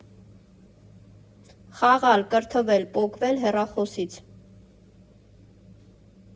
Խաղալ, կրթվել, պոկվել հեռախոսից։